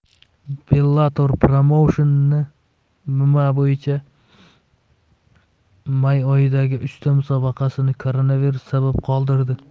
bellator promousheni mma bo'yicha may oyidagi uchta musobaqasini koronavirus sabab qoldirdi